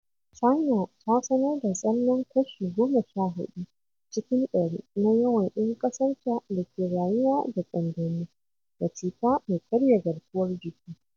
China ta sanar da tsallen kashi 14 cikin ɗari na yawan 'yan ƙasarta da ke rayuwa da ƙanjamu da cuta mai karya garkuwar jiki.